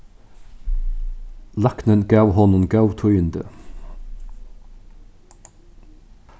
læknin gav honum góð tíðindi